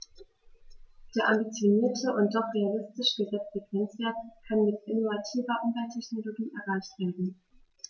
Der ambitionierte und doch realistisch gesetzte Grenzwert kann mit innovativer Umwelttechnologie erreicht werden.